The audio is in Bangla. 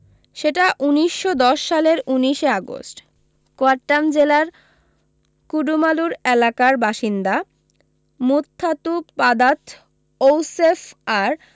সেটা উনিশশ দশ সালের উনিশ এ আগস্ট কোট্টায়াম জেলার কুডামালুর এলাকার বাসিন্দা মুত্তাথুপাদাথ ঔসেফ আর